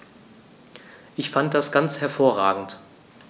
Ich fand das ganz hervorragend.